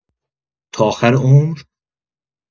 تا آخر عمر؟!